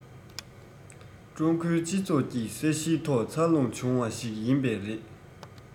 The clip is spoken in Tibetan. ཀྲུང གོའི སྤྱི ཚོགས ཀྱི ས གཞིའི ཐོག འཚར ལོངས བྱུང བ ཞིག ཡིན པས རེད